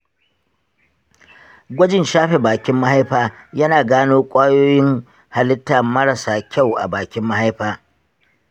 gwajin shafe bakin mahaifa yana gano kwayoyin halitta marasa kyau a bakin mahaifa.